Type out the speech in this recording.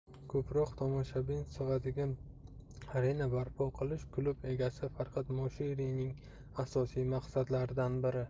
ko'proq tomoshabin sig'adigan arena barpo qilish klub egasi farhad moshirining asosiy maqsadlaridan biri